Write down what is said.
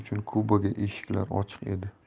kubaga eshiklari ochiq edi